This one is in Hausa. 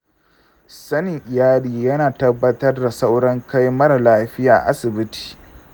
sanin iyali yana tabbatar da saurin kai mara lafiya asibiti.